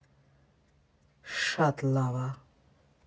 ֊ Շատ լավ ա։